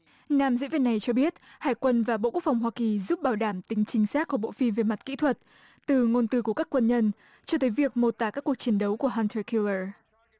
nam diễn viên này cho biết hải quân và bộ quốc phòng hoa kỳ giúp bảo đảm tính chính xác của bộ phim về mặt kỹ thuật từ ngôn từ của các quân nhân cho thấy việc mô tả các cuộc chiến đấu của hon tơ kiu lờ